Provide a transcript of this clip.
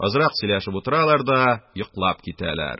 Азрак сөйләшеп утыралар да йоклап китәләр;